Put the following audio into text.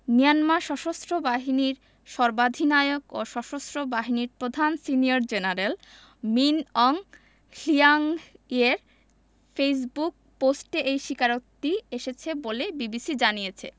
Myanmar সশস্ত্র বাহিনীর সর্বাধিনায়ক ও সশস্ত্র বাহিনীর প্রধান সিনিয়র জেনারেল মিন অং হ্লিয়াংয়ের ফেসবুক পোস্টে এই স্বীকারোক্তি এসেছে বলে বিবিসি জানিয়েছে